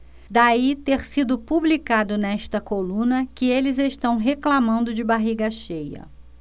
daí ter sido publicado nesta coluna que eles reclamando de barriga cheia